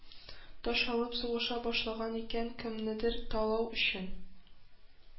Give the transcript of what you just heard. Таш алып сугыша башлаган икән, кемнедер талау өчен